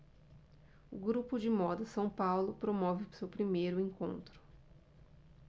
o grupo de moda são paulo promove o seu primeiro encontro